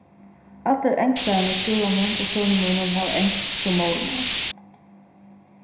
allir ensktlærararnir í skúlanum hjá soni mínum hava enskt sum móðurmál